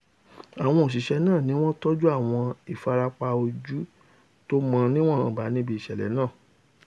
Àwọn òṣiṣẹ́ náà níwọ́n tọ́jú àwọn ìfarapa ojú tómọ̀ níwọ̀nba níbi ìṣẹ̀lẹ̀ náà.